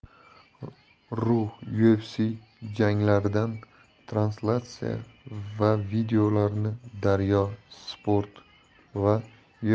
ru ufcjanglardan translyatsiya va videolarni daryo sport va